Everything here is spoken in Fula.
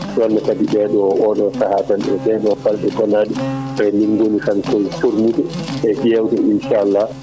ɗonne kadi ɓeɗo oɗo sahaa tan eɗeɗo balɗe gonaɗe eyyi min goni tan sornude e ƴewde inchallah